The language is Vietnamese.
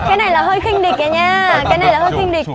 cái này là hơi khinh địch à nha cái này là hơi khinh địch